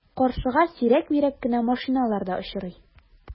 Каршыга сирәк-мирәк кенә машиналар да очрый.